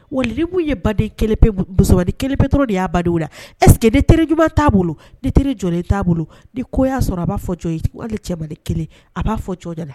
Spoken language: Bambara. Wa limu ye baden mu kelentɔ de y'a ba la ɛsseke ne teri j t'a bolo ne teri jɔ t'a bolo ni y'a sɔrɔ a b'a fɔ cɛ kelen a b'a fɔ la